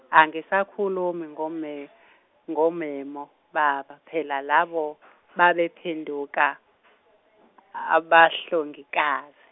angisakhulumi ngome ngomemo- baba phela labo , babephenduka , abahlengikazi.